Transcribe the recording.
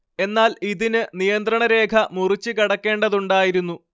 എന്നാൽ ഇതിന് നിയന്ത്രണരേഖ മുറിച്ചു കടക്കേണ്ടതുണ്ടായിരുന്നു